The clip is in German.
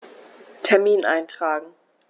Termin eintragen